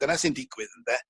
dyna sy'n digwydd ynde...